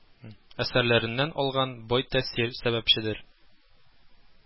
Әсәрләреннән алган бай тәэсир сәбәпчедер